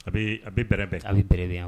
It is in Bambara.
A bɛ bɛ bɛn hali delieli yan